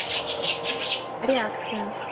реакция